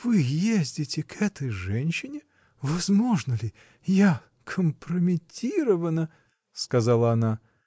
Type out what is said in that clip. — Вы ездите к этой женщине — возможно ли? Я компрометирована! — сказала она.